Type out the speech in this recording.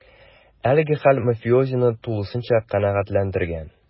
Әлеге хәл мафиозины тулысынча канәгатьләндергән: